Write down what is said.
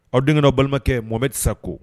Aw denkɛ balimakɛ mɔ bɛ tɛ sa ko